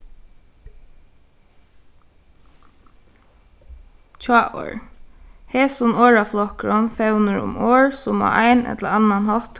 hjáorð hesin orðaflokkurin fevnir um orð sum á ein ella annan hátt